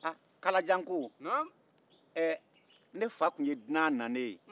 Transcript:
ha kalajan ko ɛɛ ne fa tun ye dunan nanen ye